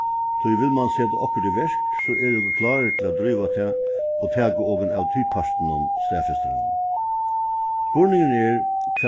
tí vil mann seta okkurt í verk so eru okur klárir til at dríva tað og taka okum av tí partinum staðfestir hann spurningurin er